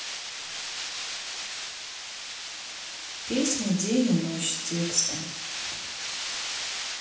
песня день и ночь с текстом